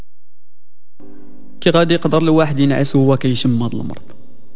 تراجي قبل واحد نعيشه وكيس مره